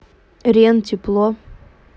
рен тепло